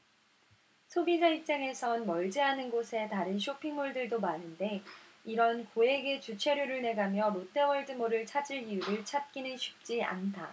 소비자 입장에선 멀지 않은 곳에 다른 쇼핑 몰들도 많은데 이런 고액의 주차료를 내가며 롯데월드몰을 찾을 이유를 찾기는 쉽지 않다